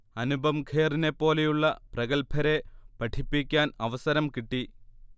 അനുപം ഖേറിനെപ്പോലുള്ള പ്രഗല്ഭരെ പഠിപ്പിക്കാൻ അവസരം കിട്ടി